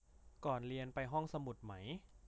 ก่อนเรียนไปห้องสมุดมั้ย